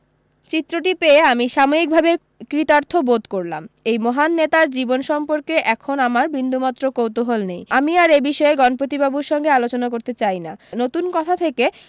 চিত্রটি পেয়ে আমি সাময়িকভাবে কৃতার্থ বোধ করলাম এই মহান নেতার জীবন সম্পর্কে এখন আমার বিন্দুমাত্র কুতূহল নেই আমি আর এ বিষয়ে গণপতিবাবুর সঙ্গে আলোচনা করতে চাই না নতুন কথা থেকে